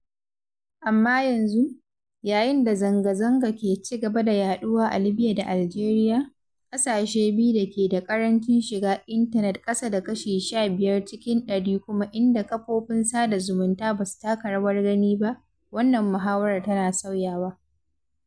Amma yanzu, yayin da zanga-zanga ke cigaba da yaɗuwa a Libya da Algeria – ƙasashe biyu da ke da ƙarancin shiga intanet ƙasa da kashi 15 cikin 100 kuma inda kafofin sada zumunta ba su taka rawar gani ba – wannan muhawarar tana sauyawa.